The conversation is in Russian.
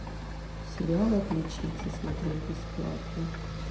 сериал отличница смотреть бесплатно